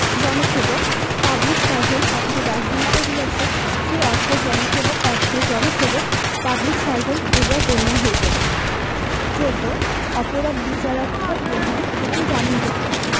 জনসেবক public servant কথাটি ব্যবহৃত হইয়াছে সেই অর্থে জনসেবক অর্থে জনসেবক পাবলিক সার্ভেন্ট বলিয়া গণ্য হইবেন ১৪ অপরাধ বিচারার্থ গ্রহণ এবং জামিনযোগ্যঃ